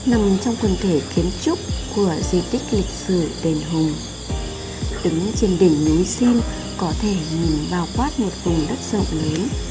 nằm trong quần thể kiến trúc của di tích lịch sử đền hùng đứng trên đỉnh núi sim có thể bao quát một vùng đất rộng lớn